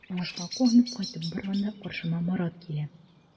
Уңышка куанып кайтып барганда каршыма Марат килә.